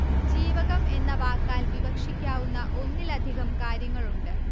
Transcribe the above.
ജീവകം എന്ന വാക്കാൽ വിവക്ഷിക്കാവുന്ന ഒന്നിലധികം കാര്യങ്ങളുണ്ട്